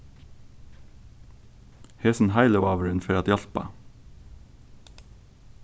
hesin heilivágurin fer at hjálpa